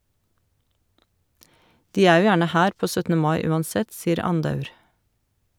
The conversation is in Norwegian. De er jo gjerne her på 17. mai uansett, sier Andaur.